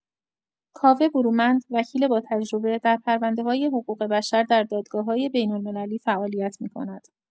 کاوه برومند، وکیل با تجربه، در پرونده‌‌های حقوق‌بشر در دادگاه‌های بین‌المللی فعالیت می‌کند.